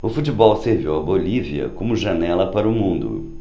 o futebol serviu à bolívia como janela para o mundo